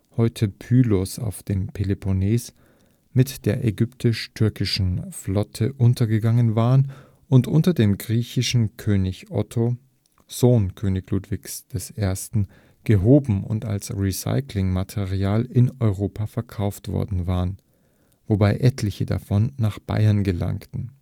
heute Pylos auf der Peloponnes) mit der ägyptisch-türkischen Flotte untergegangen waren und unter dem griechischen König Otto, Sohn Ludwigs I., gehoben und als Recyclingmaterial in Europa verkauft worden waren, wobei etliche davon nach Bayern gelangten